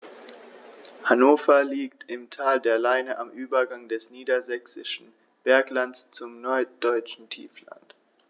Hannover liegt im Tal der Leine am Übergang des Niedersächsischen Berglands zum Norddeutschen Tiefland.